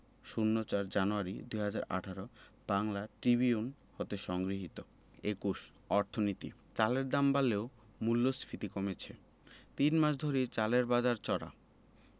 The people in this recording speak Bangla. ০৪ জানুয়ারি ২০১৮ বাংলা ট্রিবিউন হতে সংগৃহীত ২১ অর্থনীতি চালের দাম বাড়লেও মূল্যস্ফীতি কমেছে তিন মাস ধরেই চালের বাজার চড়া